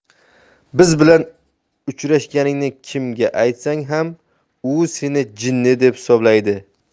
biz bilan uchrashganingni kimga aytsang ham u seni jinni deb hisoblaydi